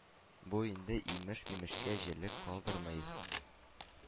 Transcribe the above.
Бу инде имеш-мимешкә җирлек калдырмый.